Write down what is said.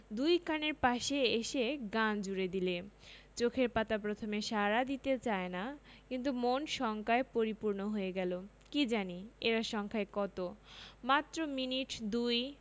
দুই কানের পাশে এসে গান জুড়ে দিলে চোখের পাতা প্রথমে সাড়া দিতে চায় না কিন্তু মন শঙ্কায় পরিপূর্ণ হয়ে গেল কি জানি এরা সংখ্যায় কত মাত্র মিনিট দুই